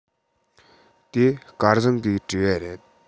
དེ སྐལ བཟང གིས བྲིས པ རེད